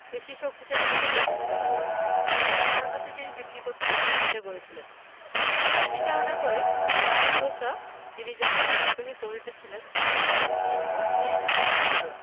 বেশি শক্তিশালী বলে প্রমাণিত হল ধারণাটা তিনি বিক্রি করতে চেষ্টা করেছিলেন স্মৃতিচারণা করেন রামাফ্রোসা যিনি জাতীয় নির্বাহী কমিটিতে ছিলেন কিন্তু তিনি ছিলেন একমাত্র